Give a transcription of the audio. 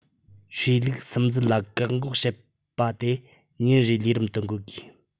ཆོས ལུགས སིམ འཛུལ ལ བཀག འགོག བྱེད པ དེ ཉིན རེའི ལས རིམ དུ འགོད དགོས